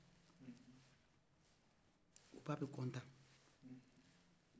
o ba bɛ kontan